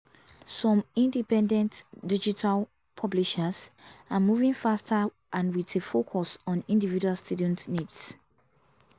Some independent, digital publishers are moving faster and with a focus on individual student needs.